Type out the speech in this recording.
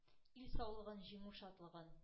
Ил саулыгын, җиңү шатлыгын.